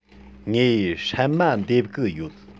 ངས སྲན མ འདེབས གི ཡོད